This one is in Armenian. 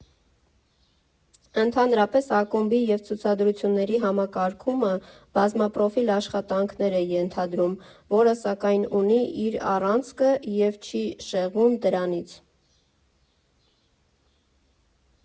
Ընդհանրապես՝ ակումբի և ցուցադրությունների համակարգումը բազմապրոֆիլ աշխատանքներ է ենթադրում, որը, սակայն, ունի իր առանցքը և չի շեղվում դրանից։